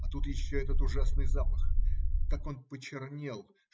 А тут еще этот ужасный запах. Как он почернел.